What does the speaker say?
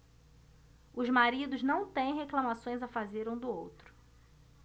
os maridos não têm reclamações a fazer um do outro